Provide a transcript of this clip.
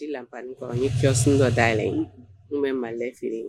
Lakɔrɔ ye fi sun dɔ daɛlɛn ye n bɛ malilɛ feere